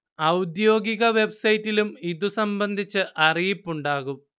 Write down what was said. ഔദ്യോഗിക വെബ്സൈറ്റിലും ഇതുസംബന്ധിച്ച് അറിയിപ്പുണ്ടാകും